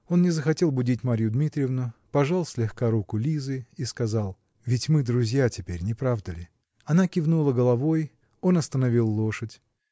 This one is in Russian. Он не захотел будить Марью Дмитриевну, пожал слегка руку Лизы и сказал: "Ведь мы друзья теперь, не правда ли?" Она кивнула головой, он остановил лошадь.